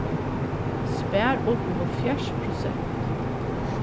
spar upp í hálvfjerðs prosent